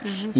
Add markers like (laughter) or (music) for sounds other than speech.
(hesitation) (hesitation)